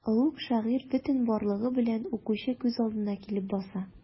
Олуг шагыйрь бөтен барлыгы белән укучы күз алдына килеп баса.